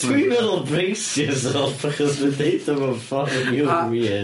Dwi'n meddwl brace yourself achos mae'n deud o mewn ffor' rili weird.